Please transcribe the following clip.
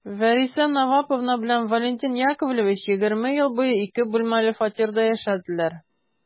Вәриса Наваповна белән Валентин Яковлевич егерме ел буе ике бүлмәле фатирда яшәделәр.